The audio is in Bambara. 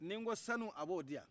ni n ko sanu a b'o diyan